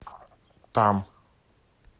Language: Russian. там